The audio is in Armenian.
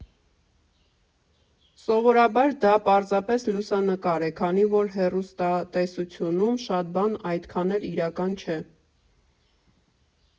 Սովորաբար դա պարզապես լուսանկար է, քանի որ հեռուստատեսությունում շատ բան այդքան էլ իրական չէ։